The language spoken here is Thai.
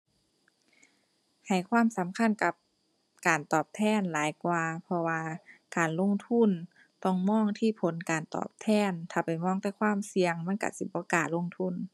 ให้ความสำคัญกับการตอบแทนหลายกว่า เพราะว่าการลงทุนต้องมองที่ผลการตอบแทน ถ้าไปมองแต่ความเสี่ยงมันก็สิบ่กล้าลงทุน